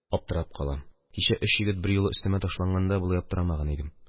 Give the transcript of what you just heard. Аптырап калам, – кичә өч егет берьюлы өстемә ташланганда, болай аптырамаган идем.